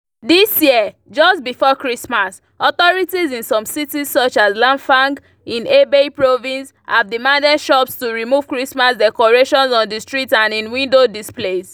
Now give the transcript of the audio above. This year, just before Christmas, authorities in some cities such as Langfang, in Hebei province, have demanded shops to remove Christmas decorations on the streets and in window displays.